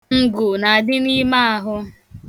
Ngụ na adị n'ime ahụ.